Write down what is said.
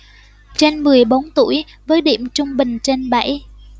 trên mười bốn tuổi với điểm trung bình trên bảy